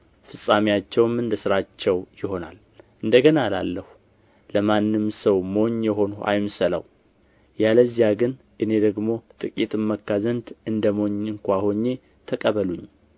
ፍጻሜአቸውም እንደ ሥራቸው ይሆናል እንደ ገና እላለሁ ለማንም ሰው ሞኝ የሆንሁ አይምሰለው ያለዚያ ግን እኔ ደግሞ ጥቂት እመካ ዘንድ እንደ ሞኝ እንኳ ሆኜ ተቀበሉኝ